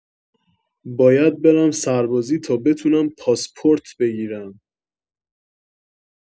باید برم سربازی تا بتونم پاسپورت بگیرم